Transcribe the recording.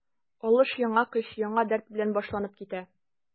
Алыш яңа көч, яңа дәрт белән башланып китә.